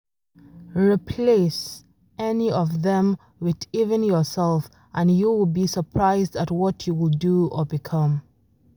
Replace [any of them] with even yourself and you will be surprised at what you will do or become.